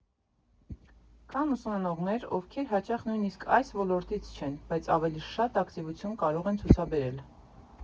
Կան ուսանողներ, ովքեր հաճախ նույնսիկ այս ոլորտից չեն, բայց ավելի շատ ակտիվություն կարող են ցուցաբերել։